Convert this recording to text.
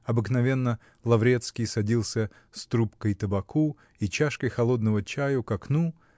Обыкновенно Лаврецкий садился с трубкой табаку и чашкой холодного чаю к окну